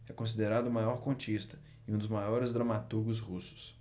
é considerado o maior contista e um dos maiores dramaturgos russos